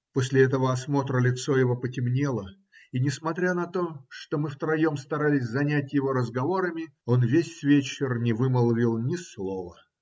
После этого осмотра лицо его потемнело, и, несмотря на то, что мы втроем старались занять его разговорами, он весь вечер не вымолвил ни слова.